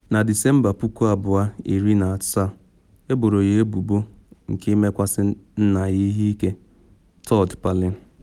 Na Disemba 2017, eboro ya ebubo nke ịmekwasị nna ya ihe ike, Todd Palin.